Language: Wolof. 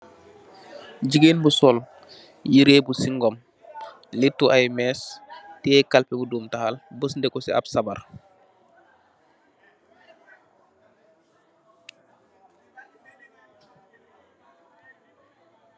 Jigeen bu sol yirèh bu singom, lettu ay mèès, tiyeh kalbeh bu doomi taal, bas ndeku ci am sabarr.